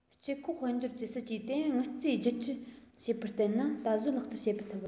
སྤྱི ཁོག དཔལ འབྱོར གྱི སྲིད ཇུས དེ དངུལ རྩས བརྒྱུད ཁྲིད བྱེད པར བརྟེན ན ད གཟོད ལག བསྟར བྱེད ཐུབ